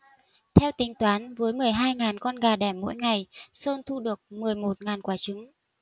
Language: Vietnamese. theo tính toán với mười hai ngàn con gà đẻ mỗi ngày sơn thu được mười một ngàn quả trứng